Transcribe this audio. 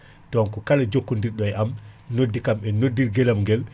donc kala jokkodirɗo e am noddikam e noddir guelam guel